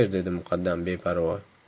dedi muqaddam beparvo